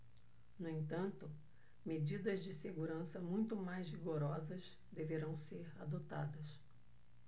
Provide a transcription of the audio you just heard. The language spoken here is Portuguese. no entanto medidas de segurança muito mais rigorosas deverão ser adotadas